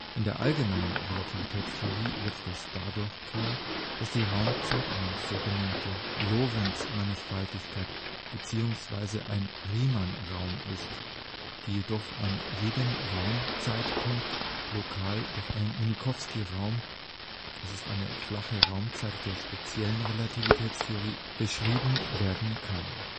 In der allgemeinen Relativitätstheorie wird das dadurch klar, dass die Raumzeit eine sogenannte Lorentzmannigfaltigkeit bzw. ein Riemann-Raum ist, die jedoch an jedem Raumzeitpunkt lokal durch einen Minkowskiraum – das ist die flache Raumzeit der speziellen Relativitätstheorie – beschrieben werden kann